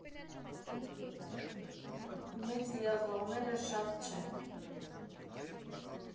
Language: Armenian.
Մեծ երազողները շատ չեն։